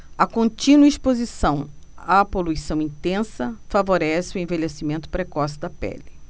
a contínua exposição à poluição intensa favorece o envelhecimento precoce da pele